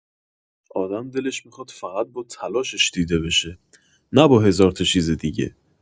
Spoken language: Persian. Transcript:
آدم دلش می‌خواد فقط با تلاشش دیده بشه، نه با هزار تا چیز دیگه.